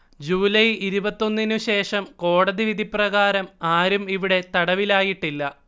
July ഇരുപത്തൊന്നിനു ശേഷം കോടതി വിധിപ്രകാരം ആരും ഇവിടെ തടവിലായിട്ടില്ല